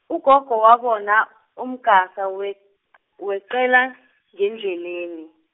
ugogo wabona umqasa, we- , weqela, ngendleleni.